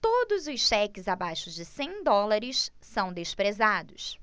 todos os cheques abaixo de cem dólares são desprezados